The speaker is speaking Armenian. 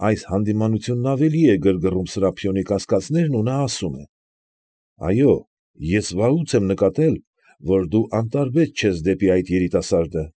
Այս հանդիմանությունն ավելի է գրգռում Սրափիոնի կասկածներն ու նա ասում է. ֊ Այո, ես վաղուց եմ նկատել, որ դու անտարբեր չես դեպի այդ երիտասարդը։